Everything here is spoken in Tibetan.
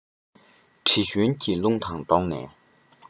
དྲི བཞིན གྱི རླུང དང བསྡོངས ནས